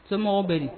Cɛmɔgɔmɔgɔw bɛ